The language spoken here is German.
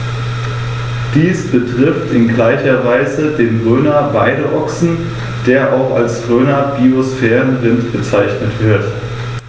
Dies betrifft in gleicher Weise den Rhöner Weideochsen, der auch als Rhöner Biosphärenrind bezeichnet wird.